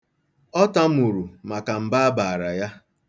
Ọ tamuru maka mba a baara ya.